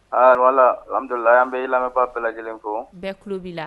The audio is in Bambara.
A voilà al amdulilaye an bɛ lamɛnbaga bɛɛ lajɛlen fo, bɛɛ klo b' la.